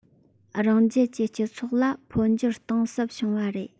རང རྒྱལ གྱི སྤྱི ཚོགས ལ འཕོ འགྱུར གཏིང ཟབ བྱུང བ རེད